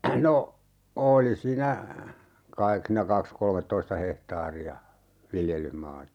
no oli siinä kai siinä kaksi kolmetoista hehtaaria viljelysmaata